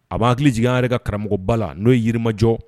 A b'a hakili jigin yɛrɛ ka karamɔgɔba la n'o ye yiriirimajɔ